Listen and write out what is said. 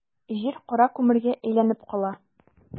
Җир кара күмергә әйләнеп кала.